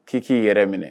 K'i k'i yɛrɛ minɛ